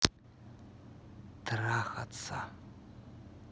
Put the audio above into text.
трахаться